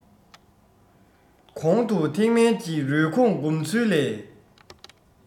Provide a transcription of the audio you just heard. གོང དུ ཐེག དམན གྱི རུས གོང སྒོམ ཚུལ ལས